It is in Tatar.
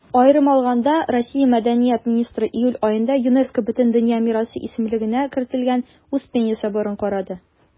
Аерым алганда, Россия Мәдәният министры июль аенда ЮНЕСКО Бөтендөнья мирасы исемлегенә кертелгән Успенья соборын карады.